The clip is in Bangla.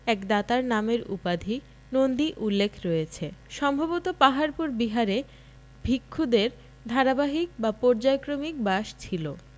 এক দাতার নাম এর উপাধি নন্দী উল্লেখ রয়েছে সম্ভবত পাহাড়পুর বিহারে ভিক্ষুদের ধারাবাহিক বা পর্যায়ক্রমিক বাস ছিল